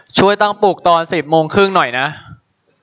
ช่วยตั้งปลุกตอนสิบโมงครึ่งหน่อยนะ